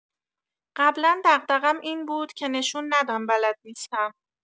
قبلا دغدغم این بود که نشون ندم بلد نیستم.